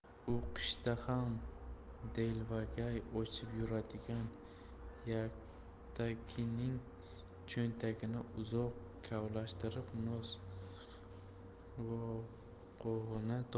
u qishda ham delvagay ochib yuradigan yaktagining cho'ntagini uzoq kavlashtirib nosqovog'ini topdi